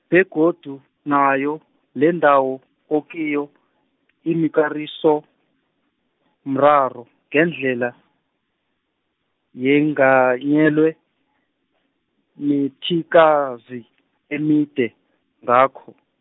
begodu nayo, lendawo okiyo, imikarisomraro, ngendlela, yenganyelwe, mimithikazi emide, ngakho.